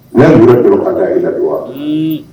N'a woro dɔrɔn k' da ayisa wa